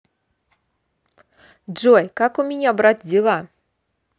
джой как у меня брат дела